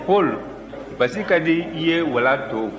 paul basi ka di i ye wala to